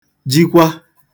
jikwa